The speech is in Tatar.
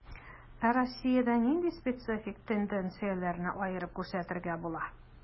Ә Россиядә нинди специфик тенденцияләрне аерып күрсәтергә була?